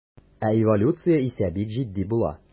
Ә эволюция исә бик җитди була.